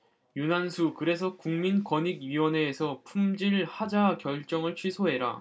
윤한수 그래서 국민권익위원회에서 품질 하자 결정을 취소해라